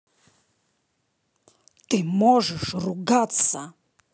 ты можешь ругаться